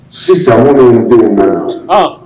Sisan minnu denw' la